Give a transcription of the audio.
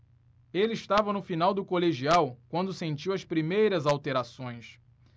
ele estava no final do colegial quando sentiu as primeiras alterações